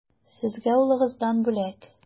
Сезгә улыгыздан бүләк.